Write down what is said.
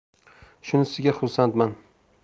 shunisiga xursandman